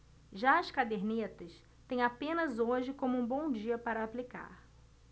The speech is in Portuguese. já as cadernetas têm apenas hoje como um bom dia para aplicar